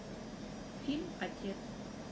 фильм отец